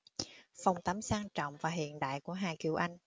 phòng tắm sang trọng và hiện đại của hà kiều anh